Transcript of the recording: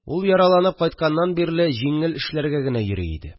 Ул яраланып кайтканнан бирле җиңел эшләргә генә йөри иде